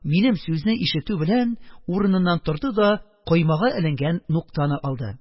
Минем сүзне ишетү белән, урыныннан торды да коймага эленгән нуктаны алды: